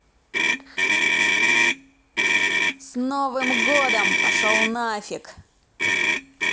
с новым годом пошел нафиг